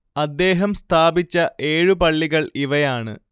അദ്ദേഹം സ്ഥാപിച്ച ഏഴു പള്ളികൾ ഇവയാണ്